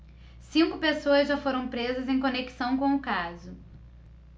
cinco pessoas já foram presas em conexão com o caso